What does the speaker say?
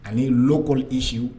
Ani kolo isuw